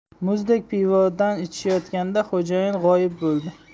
muzdek pivodan ichishayotganda xo'jayin g'oyib bo'ldi